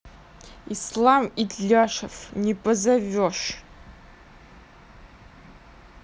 ислам итляшев не позовешь